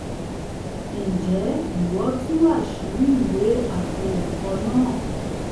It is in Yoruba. Ǹjẹ́ ìwọ tú àṣ̵írí ìwé àpilẹ̀kọ náà?